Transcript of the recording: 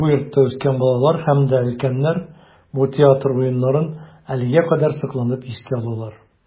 Бу йортта үскән балалар һәм дә өлкәннәр бу театр уеннарын әлегә кадәр сокланып искә алалар.